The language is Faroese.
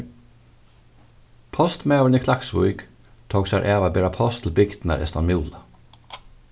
postmaðurin í klaksvík tók sær av at bera post til bygdirnar eystan múla